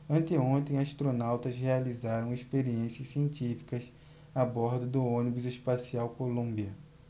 anteontem astronautas realizaram experiências científicas a bordo do ônibus espacial columbia